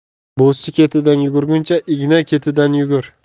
bo'zchi ketidan yugurguncha igna ketidan yugur